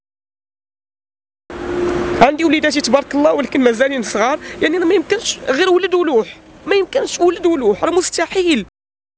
عندي فيسبوك الله ولكن ما زال الصغار غير ولوح ما يمكن قوله